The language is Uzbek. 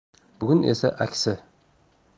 bugun esa aksi